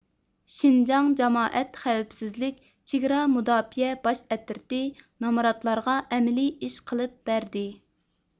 شىنجاڭ جامائەت خەۋپسىزلىك چېگرا مۇداپىئە باش ئەترىتى نامراتلارغا ئەمەلىي ئىش قىلىپ بەردى